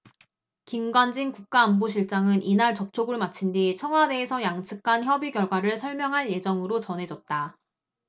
김관진 국가안보실장은 이날 접촉을 마친 뒤 청와대에서 양측간 협의 결과를 설명할 예정으로 전해졌다